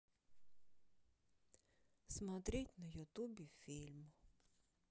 смотреть на ютубе фильм